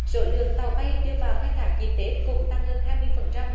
số lượng tàu bay đưa vào khai thác dịp tết cũng tăng hơn hai mươi phần trăm